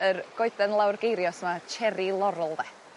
yr goedan lawr geirios Cherry Laurel 'de.